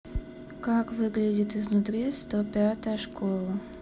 как выглядит изнутри сто пятая школа